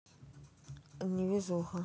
невезуха